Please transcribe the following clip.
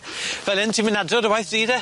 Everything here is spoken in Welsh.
Fel 'yn ti'n myn' adre o dy waith di de?